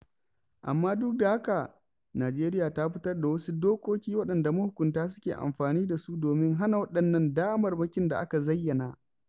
Amma duk da haka, Najeriya ta fitar da wasu dokokin waɗanda mahukunta suke amfani da su domin hana waɗannan damarmakin da aka zayyana.